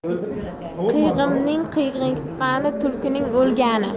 qiyg'iming qiyqirgani tulkining o'lgani